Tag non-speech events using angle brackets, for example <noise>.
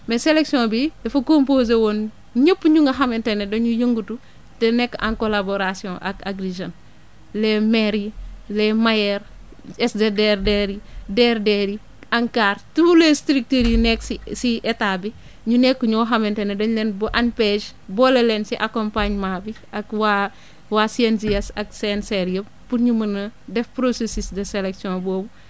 mais sellection bi dafa composé woon ñëpp ñu nga xamante ne dañuy yëngatu te nekk en collaboration :ra ak Agri Jeunes les maires yi les * SDDR yi DRDR yi ANCAR tous les structures <noise> yu nekk si si état bi ñu nekk ñoo xamante ne dañ leen bo Anpej boole leen si accaompagnement bi ak waa waa CNJS ak CNCR yëpp pour ñu mën a def processus de sellection boobu